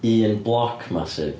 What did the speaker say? Un block masive?